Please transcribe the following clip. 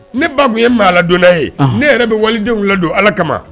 Ne ba tun ye maadon ye ne yɛrɛ bɛ walidenwwula don ala kama